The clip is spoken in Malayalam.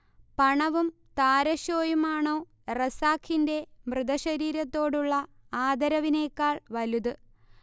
പണവും താരഷോയുമാണോ റസാഖിന്റെ മൃതശരീരത്തോടുള്ള ആദരവിനെക്കാൾ വലുത്